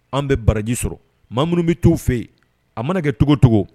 An bɛ baraji sɔrɔ maa minnu bɛ to fɛ yen a mana kɛ cogocogo